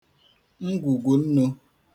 ngwùgwù nnū